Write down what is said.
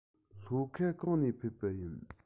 ལྷོ ཁ གང ནས ཕེབས པ ཡིན